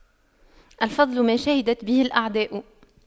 الفضل ما شهدت به الأعداء